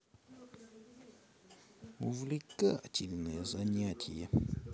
увлекательное занятие